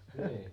niin